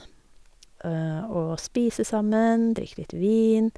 Og spise sammen, drikke litt vin.